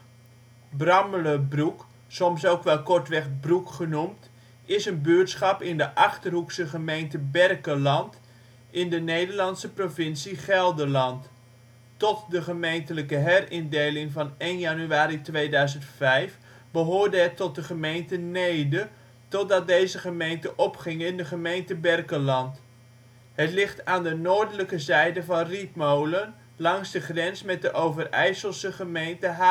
Brook 'n), soms ook wel kortweg Broek genoemd, is een buurtschap in de Achterhoekse gemeente Berkelland in de Nederlandse provincie Gelderland. Tot de gemeentelijke herindeling van 1 januari 2005 behoorde het tot de gemeente Neede, totdat deze gemeente opging in de gemeente Berkelland. Het ligt aan de noordelijke zijde van Rietmolen, langs de grens met de Overijsselse gemeente